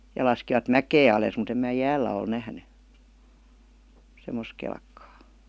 ja laskivat mäkeä alas mutta en minä jäällä ole nähnyt semmoista kelkkaa